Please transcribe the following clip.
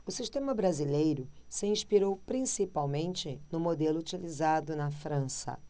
o sistema brasileiro se inspirou principalmente no modelo utilizado na frança